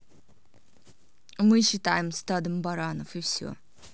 мы считаем стадом баранов и все